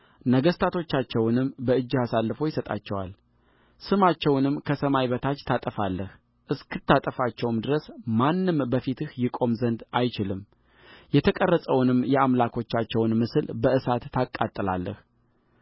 ነገሥታቶቻቸውንም በእጅህ አሳልፎ ይሰጣቸዋል ስማቸውንም ከሰማይ በታች ታጠፋለህ እስክታጠፋቸው ድረስ ማንም በፊትህ ይቆም ዘንድ አይችልምየተቀረጸውንም የአምላኮቻቸውን ምስል በእሳት ታቃጥላለህ